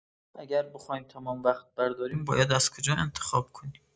اگر بخوایم تمام وقت برداریم باید از کجا انتخاب کنیم؟